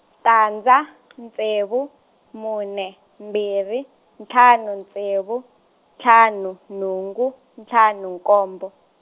tandza , ntsevu, mune, mbirhi, ntlhanu ntsevu, ntlhanu nhungu, ntlhanu nkombo.